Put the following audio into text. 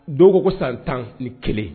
Dɔw ko ko san tan ni kelen